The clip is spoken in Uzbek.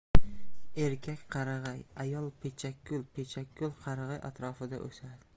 erkak qarag'ay ayol pechakgul pechakgul qarag'ay atrofida o'sadi